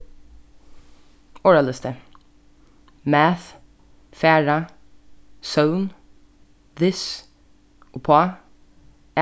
orðalisti math fara søvn this uppá